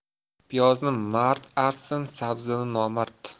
piyozni mard artsin sabzini nomard